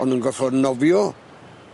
O'n nw'n gorffod nofio